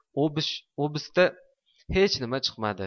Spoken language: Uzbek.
obisda hech narsa chiqmadi